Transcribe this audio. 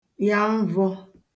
yà mvọ̄